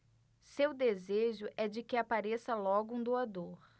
seu desejo é de que apareça logo um doador